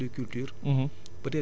parce que rotation des cultures